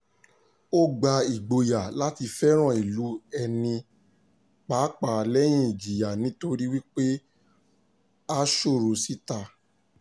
Ó gba ìgboyà láti fẹ́ràn ìlú ẹni pàápàá lẹ́yìn ìjìyà nítorí wípé a sọ̀rọ̀ síta.